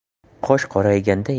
qosh qorayganda yana